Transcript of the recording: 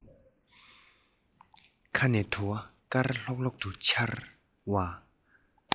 ཁ ནས དུ བ དཀར ལྷོག ལྷོག ཏུ འཕྱུར བ